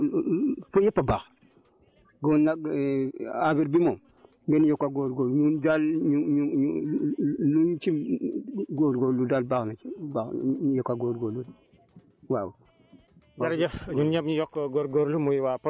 dafa taw a taw bo amul lu taw yëpp a baax bon nag affaire bi moom ngeen yokk a góorgóorlu ñun daal ñu ñu ñu luñ ci góorgóorlu daal baax nawaaw ñu yokk a góorgóorlu waaw